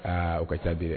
Aa o ka ca di